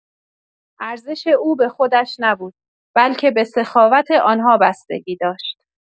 ارزش او به خودش نبود، بلکه به سخاوت آن‌ها بستگی داشت.